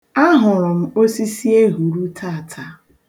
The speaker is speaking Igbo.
A hụrụ m osisi ehuru taata.